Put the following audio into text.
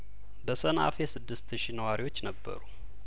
በሰንአፌ ስድስት ሺ ነዋሪዎች ነበሩ